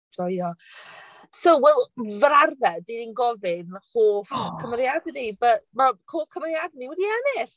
Joio. So wel, fel arfer dan ni'n gofyn hoff cymeriadau ni, but mae hoff cymeriadau ni wedi ennill.